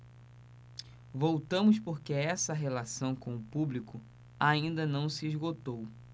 voltamos porque essa relação com o público ainda não se esgotou